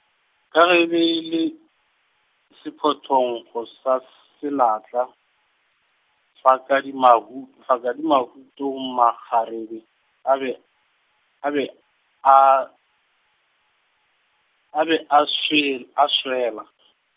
ka ge be e le, sephothonkgo sa senatla, fakadimahu-, fakadimahuto makgarebe a be, a be a, a be a swe-, a swiela .